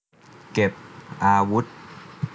เก็บอาวุธ